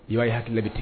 I b'a hakili bɛ tigɛ